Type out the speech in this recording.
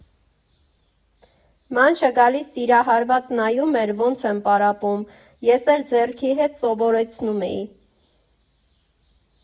«Մանչը գալիս, սիրահարված նայում էր՝ ոնց եմ պարապում, ես էլ ձեռքի հետ սովորեցնում էի։